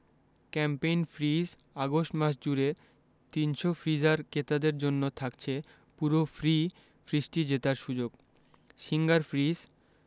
campaign fridge August মাস জুড়ে ৩০০ freezer ক্রেতাদের জন্য থাকছে পুরো ফ্রি ফ্রিজটি জেতার সুযোগ সিঙ্গার ফ্রিজ